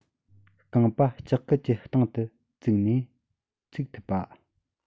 རྐང པ ལྕགས སྐུད ཀྱི སྟེང དུ བཙུགས ནས ཚུགས ཐུབ པ